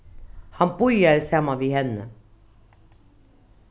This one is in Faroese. hann bíðaði saman við henni